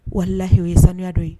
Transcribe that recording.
Walahi o ye sanuya dɔ ye